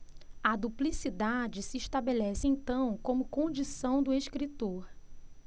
a duplicidade se estabelece então como condição do escritor